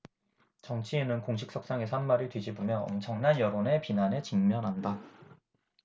정치인은 공식 석상에서 한 말을 뒤집으면 엄청난 여론의 비난에 직면한다